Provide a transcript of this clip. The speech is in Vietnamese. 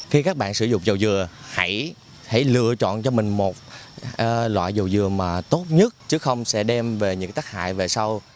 khi các bạn sử dụng dầu dừa hãy hãy lựa chọn cho mình một lọai dầu dừa mà tốt nhất chứ không sẽ đem về những tác hại về sau